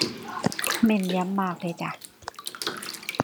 แม่นยำมากเลยจ้ะ